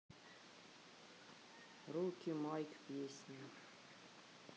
руки майк песня